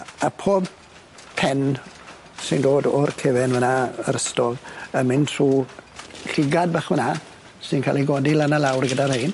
A pob pen sy'n dod o'r cefen fyn 'a yr ystol yn mynd trw llygad bach fyn 'na sy'n ca'l 'i godi lan a lawr gyda rein.